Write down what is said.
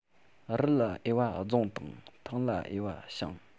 རི ལ འོས པ རྫོང དང ཐང ལ འོས པ ཞིང